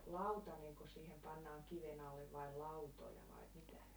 lautanenko siihen pannaan kiven alle vai lautoja vai mitä